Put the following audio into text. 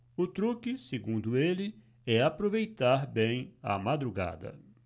o truque segundo ele é aproveitar bem a madrugada